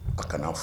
A kana' fɔ